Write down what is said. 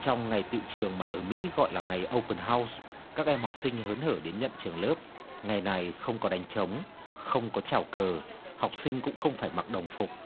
trong ngày tựu trường mà ở mỹ gọi là ngày âu pừn hau các em học sinh hớn hở đến nhận trường lớp ngày này không có đánh trống không có chào cờ học sinh cũng không phải mặc đồng phục